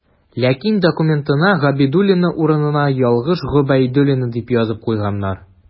Ләкин документына «Габидуллина» урынына ялгыш «Гобәйдуллина» дип язып куйганнар.